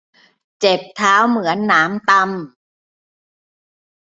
เจ็บเท้าเหมือนหนามตำ